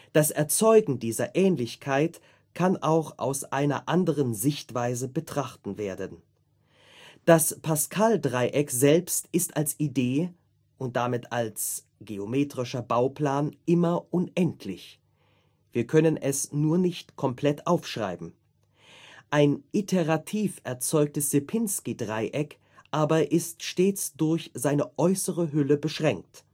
Das Erzeugen dieser Ähnlichkeit kann auch aus einer anderen Sichtweise betrachten werden: das Pascal-Dreieck selbst ist als Idee und damit als geometrischer Bauplan immer unendlich, wir können es nur nicht komplett aufschreiben. Ein iterativ erzeugtes Sierpinski-Dreieck aber ist stets durch seine äußere Hülle beschränkt